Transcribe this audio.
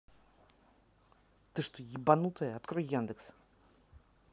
ты что ебанутая открой яндекс